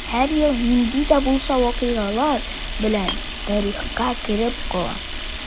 Һәр ел нинди дә булса вакыйгалары белән тарихка кереп кала.